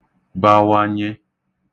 bawanye